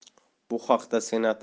bu haqda senat